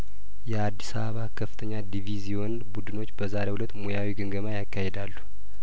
የአዲስ አበባ ከፍተኛ ዲቪዚዮን ቡድኖች በዛሬው እለት ሙያዊ ግምገማ ያካሂዳሉ